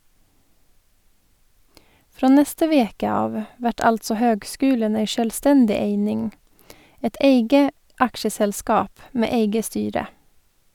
Frå neste veke av vert altså høgskulen ei sjølvstendig eining, eit eige aksjeselskap med eige styre.